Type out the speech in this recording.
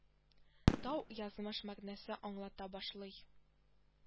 Тау язмыш мәгънәсен аңлата башлый